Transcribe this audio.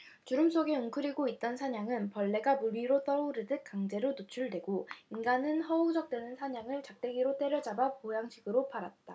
주름 속에 웅크리고 있던 산양은 벌레가 물위로 떠오르듯 강제로 노출되고 인간은 허우적대는 산양을 작대기로 때려잡아 보양식으로 팔았다